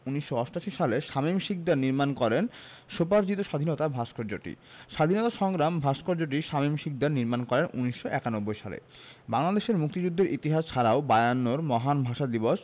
১৯৮৮ সালে শামীম শিকদার নির্মাণ করেন স্বোপার্জিত স্বাধীনতা ভাস্কর্যটি স্বাধীনতা সংগ্রাম ভাস্কর্যটি শামীম শিকদার নির্মাণ করেন ১৯৯১ সালে বাংলাদেশের মুক্তিযুদ্ধের ইতিহাস ছাড়াও বায়ান্নর মহান ভাষা দিবস